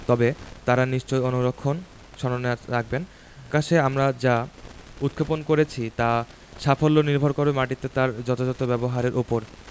তবে তাঁরা নিশ্চয় অনুক্ষণ স্মরণে রাখবেন আকাশে আমরা যা উৎক্ষেপণ করেছি তার সাফল্য নির্ভর করবে মাটিতে তার যথাযথ ব্যবহারের ওপর